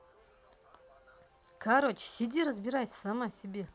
короче сиди разбирайся сама себе